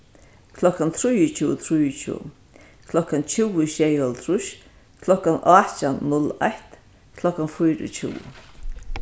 klokkan trýogtjúgu trýogtjúgu klokkan tjúgu sjeyoghálvtrýss klokkan átjan null eitt klokkan fýraogtjúgu